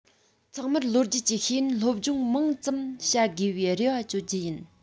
ཚང མར ལོ རྒྱུས ཀྱི ཤེས ཡོན སློབ སྦྱོང མང ཙམ བྱ དགོས པའི རེ བ བཅོལ རྒྱུ ཡིན